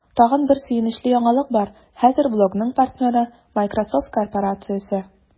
Тагын бер сөенечле яңалык бар: хәзер блогның партнеры – Miсrosoft корпорациясе!